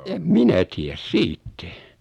en minä tiedä siitä